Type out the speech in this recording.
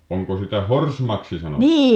onko sitä horsmaksi sanottu